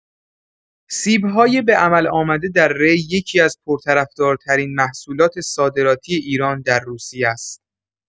سیب‌های به‌عمل آمده در ری یکی‌از پرطرفدارترین محصولات صادراتی ایران در روسیه‌ست.